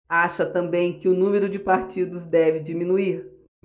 acha também que o número de partidos deve diminuir